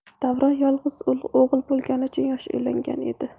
davron yolg'iz o'g'il bo'lgani uchun yosh uylangan edi